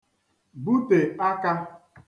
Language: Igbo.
butè akā